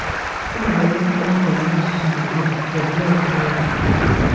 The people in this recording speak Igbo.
Ọ gbadoro ụkwụ kpọmkwem n'asụsụ bekee nke blọọgụ Morocco.